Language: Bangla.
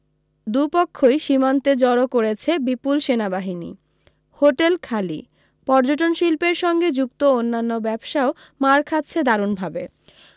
দুপক্ষৈ সীমান্তে জড়ো করেছে বিপুল সেনাবাহিনী হোটেল খালি পর্যটনশিল্পের সঙ্গে যুক্ত অন্যান্য ব্যবসাও মার খাচ্ছে দারুণভাবে